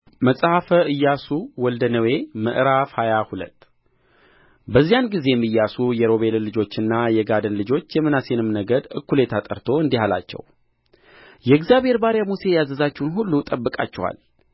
መጽሐፈ ኢያሱ ወልደ ነዌ ምዕራፍ ሃያ ሁለት በዚያን ጊዜም ኢያሱ የሮቤልን ልጆችና የጋድን ልጆች የምናሴንም ነገድ እኩሌታ ጠርቶ እንዲህ አላቸው የእግዚአብሔር ባሪያ ሙሴ ያዘዛችሁን ሁሉ ጠብቃችኋል